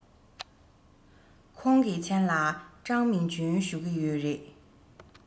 ཁོང གི མཚན ལ ཀྲང མིང ཅུན ཞུ གི ཡོད རེད